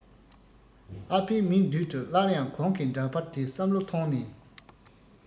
ཨ ཕའི མིག མདུན དུ སླར ཡང གོང གི འདྲ པར དེ བསམ བློ ཐོངས ནས